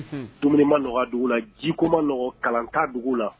Dumunima nɔgɔyadugu la jikoma nɔgɔ kalankan dugu la